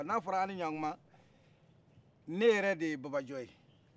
n'a fɔra'aw ni ɲakuma ne yɛrɛ de ye baba jɔ